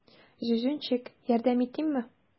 Зюзюнчик, ярдәм итимме?